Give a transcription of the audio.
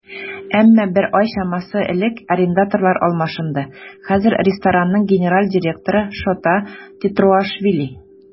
Әмма бер ай чамасы элек арендаторлар алмашынды, хәзер ресторанның генераль директоры Шота Тетруашвили.